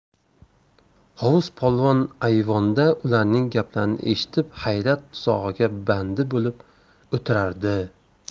hovuz polvon ayvonda ularning gaplarini eshitib hayrat tuzog'iga bandi bo'lib o'tirardi